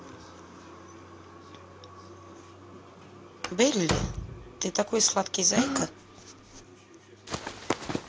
belle ты такой сладкий зайка